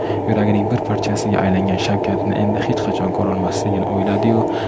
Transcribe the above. yuragining bir parchasiga aylangan shavkatni endi hech qachon ko'rolmasligini o'yladi yu